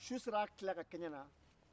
su sera a tila ka kɛɲɛ na